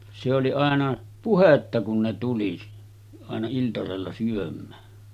se oli aina puhetta kun ne tuli aina iltasella syömään